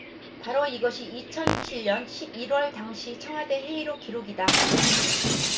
바로 이것이 이천 칠 년 십 일 월 당시 청와대 회의록 기록이다